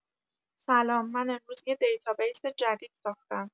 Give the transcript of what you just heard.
سلام من امروز یه دیتابیس جدید ساختم.